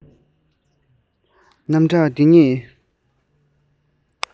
རྣམ གྲངས འདི ཉིད